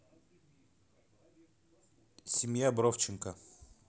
семья бровченко